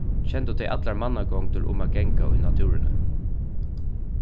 kendu tey allar mannagongdir um at ganga í natúrini